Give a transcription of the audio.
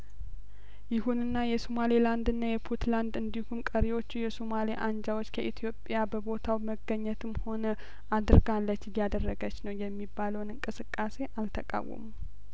ይሁንና የሶማሌ ላንድና የፑትላንድ እንዲሁም ቀሪዎቹ የሶማሊያ አንጃዎች ከኢትዮጵያ በቦታው መገኘትም ሆነ አድርጋለች እያደረገች ነው የሚባለውን እንቅስቃሴ አልተቃወሙም